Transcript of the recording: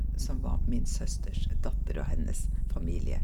Som var min søsters datter og hennes familie.